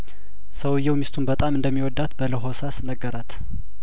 ሰውዬው ሚስቱን በጣም እንደሚወዳት በለሆሳ ስነገራት